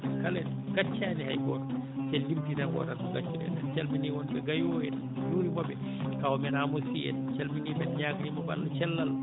kamɓe kala en ngaccaani hay gooto so en limtii tan wodan mo ngaccuɗen en calminii wonɓe Gayo en en njuuriima ɓe kaawu men Amadou Sy en en calminii ɓe en ñaaganii mo Allah cellal